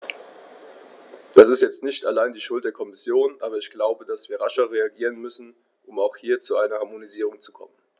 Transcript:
Das ist jetzt nicht allein die Schuld der Kommission, aber ich glaube, dass wir rascher reagieren müssen, um hier auch zu einer Harmonisierung zu kommen.